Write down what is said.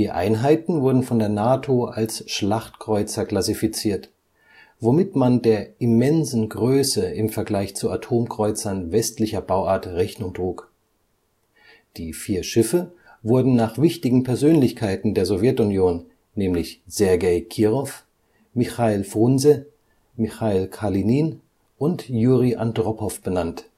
Einheiten wurden von der NATO als Schlachtkreuzer klassifiziert, womit man der immensen Größe im Vergleich zu Atomkreuzern westlicher Bauart Rechnung trug. Die vier Schiffe wurden nach wichtigen Persönlichkeiten der Sowjetunion, nämlich Sergei Kirow, Michail Frunse, Michail Kalinin und Juri Andropow benannt